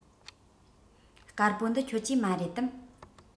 དཀར པོ འདི ཁྱོད ཀྱི མ རེད དམ